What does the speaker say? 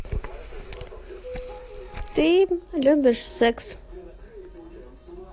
ты любишь секс